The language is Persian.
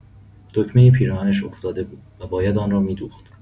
دگمۀ پیراهنش افتاده بود و باید آن را می‌دوخت.